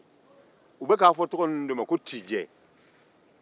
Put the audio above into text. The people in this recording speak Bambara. a bɛka a fɔ tɔgɔ ninnu de ma ko tijɛ